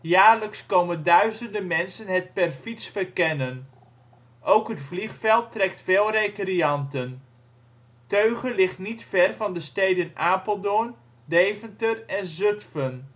Jaarlijks komen duizenden mensen het per fiets verkennen. Ook het vliegveld trekt veel recreanten. Teuge ligt niet ver van de steden Apeldoorn, Deventer en Zutphen